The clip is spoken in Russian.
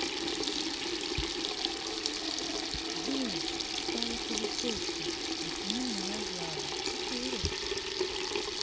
юля стала полицейским и понимаю влада четыре